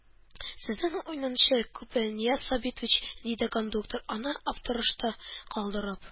Сезнең унынчы купе, Нияз Сабитович, диде кондуктор, аны аптырашта калдырып.